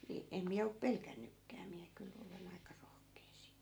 niin en minä ole pelännytkään minä kyllä olen aika rohkea siitä